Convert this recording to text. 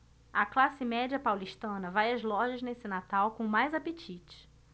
a classe média paulistana vai às lojas neste natal com mais apetite